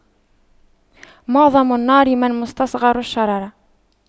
معظم النار من مستصغر الشرر